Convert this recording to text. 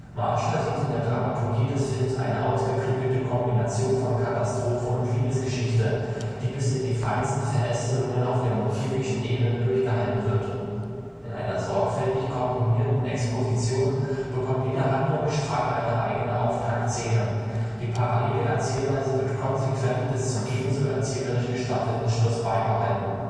Marschall sieht in der Dramaturgie des Films „ eine ausgeklügelte Kombination von Katastrophe und Liebesgeschichte, die bis in die feinsten Verästelungen auf der motivischen Ebene durchgehalten wird “. In einer „ sorgfältig komponierten Exposition “bekommt jeder Handlungsstrang eine eigene Auftaktszene. Die parallele Erzählweise wird konsequent bis zum ebenso erzählerisch gestaffelten Schluss beibehalten